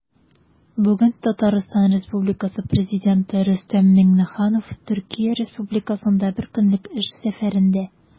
Бүген Татарстан Республикасы Президенты Рөстәм Миңнеханов Төркия Республикасында бер көнлек эш сәфәрендә.